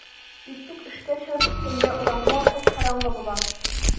Иртүк эшкә чыгып киткәндә урамда кап-караңгы була.